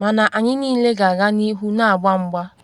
Mana anyị niile ga-aga n’ihu na agba mgba.”